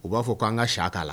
U b'a fɔ ko'an ka si k'a la